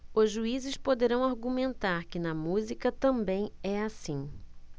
os juízes poderão argumentar que na música também é assim